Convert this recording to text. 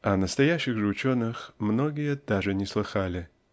О настоящих же ученых многие даже не слыхали.